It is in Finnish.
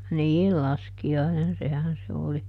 niin laskiainen sehän se oli